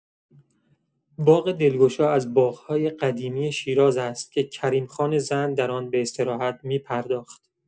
باغ دلگشا از باغ‌های قدیمی شیراز است که کریم‌خان زند در آن به استراحت می‌پرداخت.